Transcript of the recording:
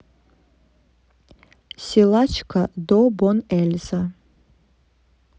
силачка до бон эльза